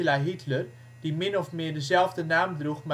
Hitler die min of meer dezelfde naam droeg